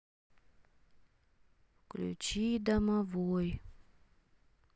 включи домовой